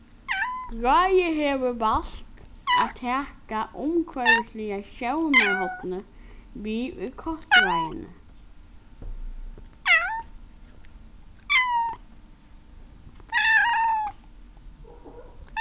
ráðið hevur valt at taka umhvørvisliga sjónarhornið við í kostráðini